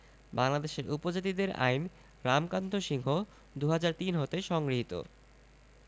বাংলাদেশের উপজাতিদের আইন রামকান্ত সিংহ ২০০৩ হতে সংগৃহীত